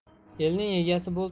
elning egasi bo'l